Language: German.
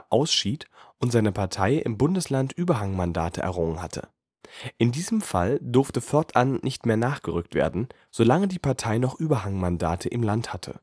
ausschied und seine Partei im Bundesland Überhangmandate errungen hatte. In diesem Fall durfte fortan nicht mehr nachgerückt werden, solange die Partei noch Überhangmandate im Land hatte